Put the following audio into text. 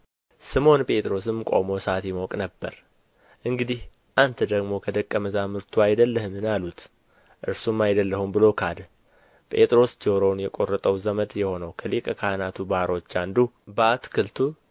ስምዖን ጴጥሮስም ቆሞ እሳት ይሞቅ ነበር እንግዲህ አንተ ደግሞ ከደቀ መዛሙርቱ አይደለህምን አሉት እርሱም አይደለሁም ብሎ ካደ ጴጥሮስ ጆሮውን የቈረጠው ዘመድ የሆነ ከሊቀ ካህናቱ ባሮች አንዱ በአትክልቱ